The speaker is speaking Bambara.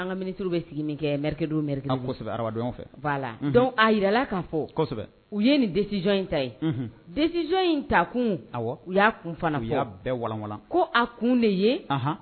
An ka miniuru bɛ sigi min kɛ mkesɛbɛ fɛ la dɔn a jirala kan fɔ u ye nin desij in ta ye desij in ta kun u y'a kun fana bɛɛ walalan ko a kun de ye